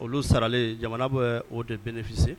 Olu saralen jamana bɛ o tɛ pe nesise